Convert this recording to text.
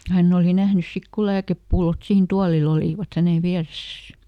hän oli nähnyt sitten kun lääkepullot siinä tuolilla olivat hänen vieressään